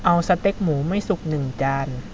เอาสเต็กหมูไม่สุกหนึ่งจาน